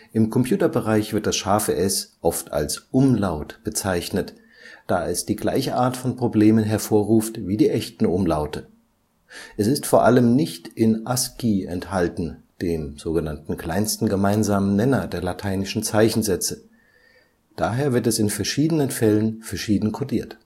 Im Computerbereich wird das ß oft als Umlaut bezeichnet, da es die gleiche Art von Problemen hervorruft wie die echten Umlaute: Es ist vor allem nicht in ASCII enthalten, dem „ kleinsten gemeinsamen Nenner “der lateinischen Zeichensätze. Daher wird es in verschiedenen Fällen verschieden kodiert